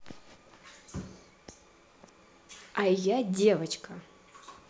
а я девчонка